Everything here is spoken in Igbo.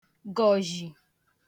gọ̀jì